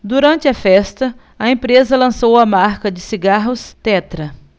durante a festa a empresa lançou a marca de cigarros tetra